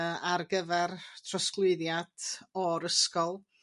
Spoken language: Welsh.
Yrr ar gyfer trosglwyddiant o'r ysgol